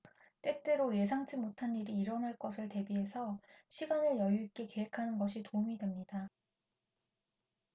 때때로 예상치 못한 일이 일어날 것을 대비해서 시간을 여유 있게 계획하는 것이 도움이 됩니다